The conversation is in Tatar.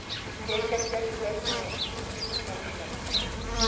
Киләчәктә төбәкне нинди үзгәрешләр көтә?